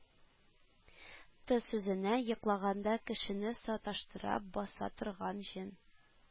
Ты сүзенә «йоклаганда кешене саташтыра, баса торган җен,